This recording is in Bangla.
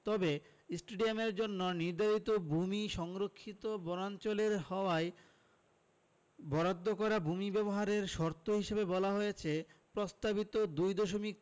তবে স্টেডিয়ামের জন্য নির্ধারিত ভূমি সংরক্ষিত বনাঞ্চলের হওয়ায় বরাদ্দ করা ভূমি ব্যবহারের শর্ত হিসেবে বলা হয়েছে প্রস্তাবিত ২ দশমিক